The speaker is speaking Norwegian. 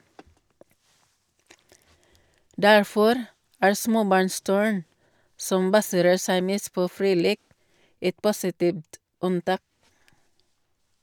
Derfor er småbarnsturn - som baserer seg mest på fri lek - et positivt unntak.